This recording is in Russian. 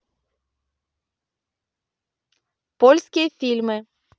польские фильмы